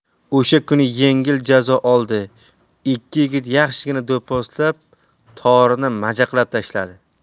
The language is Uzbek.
o'sha kuni yengil jazo oldi ikki yigit yaxshigina do'pposlab torini majaqlab tashladi